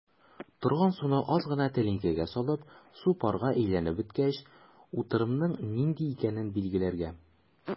Тонган суны аз гына тәлинкәгә салып, су парга әйләнеп беткәч, утырымның нинди икәнен билгеләргә.